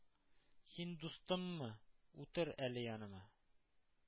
Син дустыммы? Утыр әле яныма.